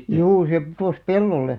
juu se putosi pellolle